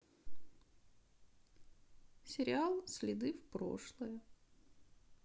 сериал следы в прошлое